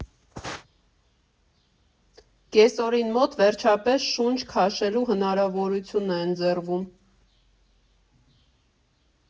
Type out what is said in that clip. Կեսօրին մոտ վերջապես շունչ քաշելու հնարավորություն է ընձեռվում։